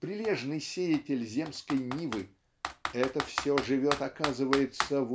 прилежный сеятель земской нивы это все живет оказывается